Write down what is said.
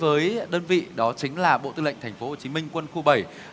với đơn vị đó chính là bộ tư lệnh thành phố hồ chí minh quân khu bảy